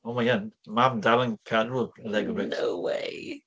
Ond mae yn. Mam dal yn cadw y Lego bricks... No way!